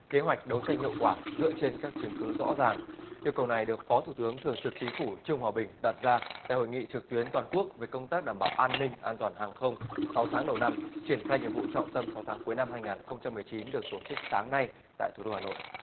kế hoạch đấu tranh hiệu quả dựa trên các chứng cứ rõ ràng nhu cầu này được phó thủ tướng thường trực chính phủ trương hòa bình đặt ra tại hội nghị trực tuyến toàn quốc về công tác đảm bảo an ninh an toàn hàng không sáu tháng đầu năm triển khai nhiệm vụ trọng tâm sáu tháng cuối năm hai nghìn không trăm mười chín được tổ chức sáng nay tại thủ đô hà nội